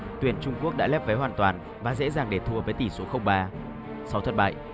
tuyển trung quốc đã lép vế hoàn toàn và dễ dàng để thua với tỷ số không ba sau thất bại